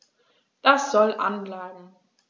Das soll an bleiben.